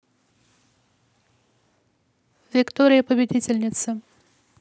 виктория победительница